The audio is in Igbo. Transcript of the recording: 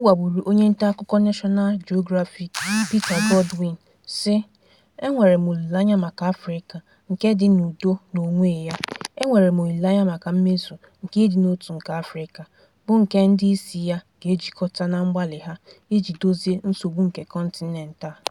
Ọ gwaburu onye ntaakụkọ National Geographic, Peter Godwin, sị, "Enwere m olileanya maka Afrịka nke dị n'udo n'onwe ya ... Enwere m olileanya maka mmezu nke ịdị n'otu nke Afrịka, bụ́ nke ndị isi ya ga-ejikọta na mgbalị ha iji dozie nsogbu nke kọntinent a.